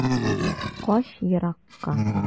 Кач еракка.